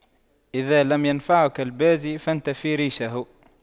إذا لم ينفعك البازي فانتف ريشه